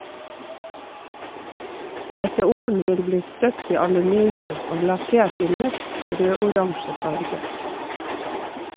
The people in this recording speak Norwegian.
Meteoren vil bli støpt i aluminium og lakkert i mørk rød-oransje farge.